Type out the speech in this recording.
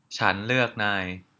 ฉันเลือกนาย